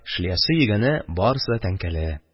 Шлеясе-йөгәне – барысы да тәңкәле.